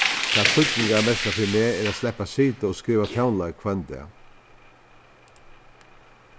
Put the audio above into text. tað týdningarmesta fyri meg er at sleppa at sita og skriva tónleik hvønn dag